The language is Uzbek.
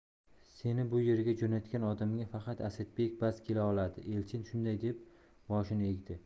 seni bu yerga jo'natgan odamga faqat asadbek bas kela oladi elchin shunday deb boshini egdi